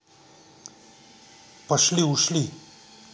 пошли ушли